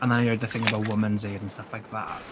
And I heard the thing about women's aid and stuff like that.